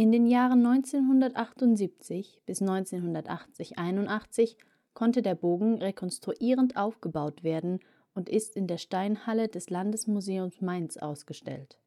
den Jahren 1978 bis 1980 / 81 konnte der Bogen rekonstruierend aufgebaut werden und ist in der Steinhalle des Landesmuseums Mainz ausgestellt